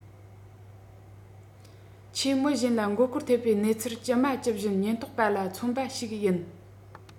ཁྱེད མི གཞན ལ མགོ སྐོར ཐེབས པའི གནས ཚུལ ཇི མ ཇི བཞིན ཉེན རྟོག པ ལ མཚོན པ ཞིག ཡིན